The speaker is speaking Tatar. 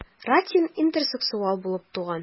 Ратьен интерсексуал булып туган.